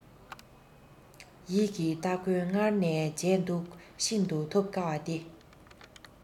ཡིད ཀྱི སྟ གོན སྔར ནས བྱས འདུག ཤིན ཏུ ཐོབ དཀའ བ དེ